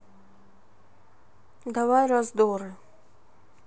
давай раздоры